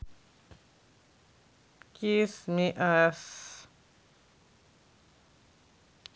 kiss me ass